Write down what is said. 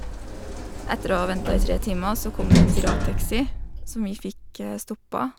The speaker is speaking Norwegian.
Etter å ha venta i tre timer så kom det en pirattaxi som vi fikk stoppa.